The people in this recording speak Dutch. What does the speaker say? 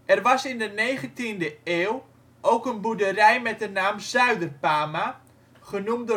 Er was in de 19e eeuw ook een boerderij met de naam ' Zuiderpama ' (genoemd